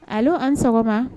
Allo ani sɔgɔma